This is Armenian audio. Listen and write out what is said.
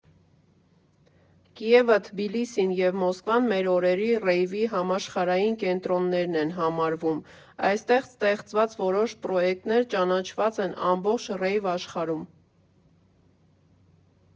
Կիևը, Թբիլիսին և Մոսկվան մեր օրերի ռեյվի համաշխարհային կենտրոններ են համարվում, այստեղ ստեղծված որոշ պրոյեկտներ ճանաչված են ամբողջ ռեյվ֊աշխարհում։